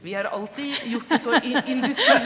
vi har alltid gjort det så industri.